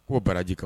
Ko baraji kama